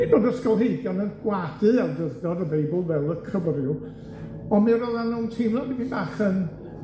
Nid o'dd ysgolheigion yn gwadu awdurdod y Beibl fel y cyfryw on' mi ro'ddan nw'n teimlo dipyn bach yn